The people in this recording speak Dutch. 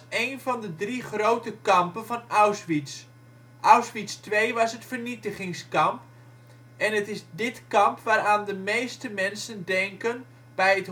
één van de drie grote kampen van Auschwitz. Auschwitz II was het vernietigingskamp, en het is dit kamp waaraan de meeste mensen denken bij